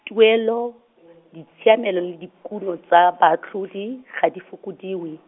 tuelo, ditshiamelo le dikuno tsa baatlhodi, ga di fokodiwe.